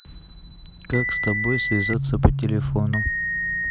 как с тобой связаться по телефону